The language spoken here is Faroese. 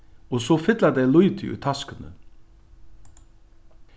og so fylla tey lítið í taskuni